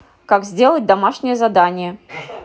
как сделать домашнее задание